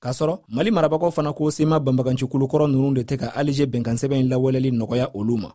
kasɔrɔ mali marabagaw fana ko sema banbaganci kulu kɔrɔw ninnu de tɛ ka alize bɛnkansɛbɛn lawaleyali nɔgɔya olu ma